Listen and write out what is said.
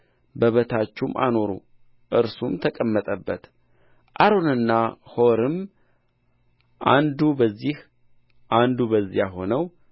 በበታቹም አኖሩ እርሱም ተቀመጠበት አሮንና ሖርም አንዱ በዚህ አንዱ በዚያ ሆነው